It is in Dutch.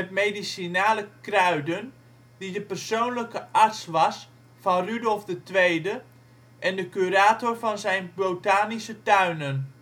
medicinale kruiden die de persoonlijke arts was van Rudolf II en de curator van zijn botanische tuinen